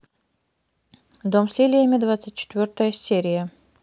дом с лилиями двадцать четвертая серия